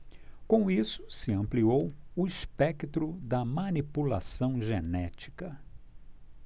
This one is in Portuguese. com isso se ampliou o espectro da manipulação genética